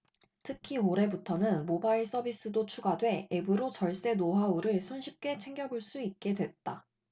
특히 올해부터는 모바일 서비스도 추가돼 앱으로 절세 노하우를 손쉽게 챙겨볼 수 있게 됐다